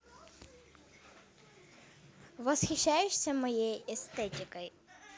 восхищаешься моей эстетикой